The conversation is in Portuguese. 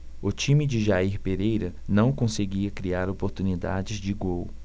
o time de jair pereira não conseguia criar oportunidades de gol